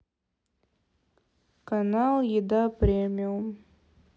канал еда премиум